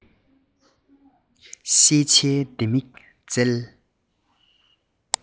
ཤེས བྱའི ལྡེ མིག བསྩལ